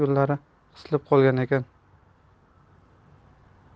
yo'llari qisilib qolgan ekan